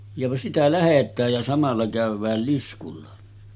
ja sitä lähdetään ja samalla käydään liskulla